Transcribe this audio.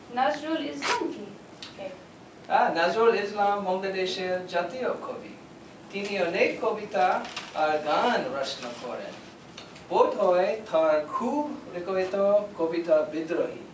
নজরুল ইসলাম কে নজরুল ইসলাম আমাদের দেশের জাতীয় কবি পিতা আর গান রচনা করেছেন বোধহয় তার খুব প্রচলিত কবিতা বিদ্রোহী